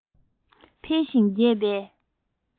འཕེལ ཞིང རྒྱས པའི